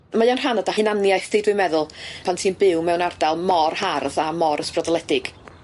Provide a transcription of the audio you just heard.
Mae o'n rhan o dy hunaniaeth di dwi'n meddwl pan ti'n byw mewn ardal mor hardd a mor ysbrydoledig.